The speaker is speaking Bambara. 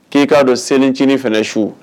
K'i k'a don selicinin fana su